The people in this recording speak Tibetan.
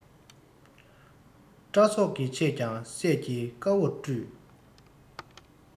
སྐྲ ཚོགས ཀྱི ཕྱེད ཀྱང སད ཀྱིས དཀར བོར བཀྲུས